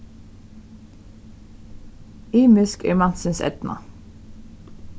ymisk er mansins eydna